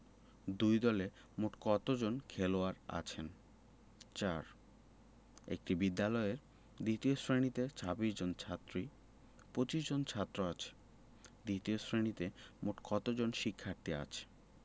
দুই দলে মোট কতজন খেলোয়াড় আছেন ৪ একটি বিদ্যালয়ের দ্বিতীয় শ্রেণিতে ২৬ জন ছাত্রী ও ২৫ জন ছাত্র আছে দ্বিতীয় শ্রেণিতে মোট কত জন শিক্ষার্থী আছে